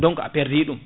donc a perd i ɗum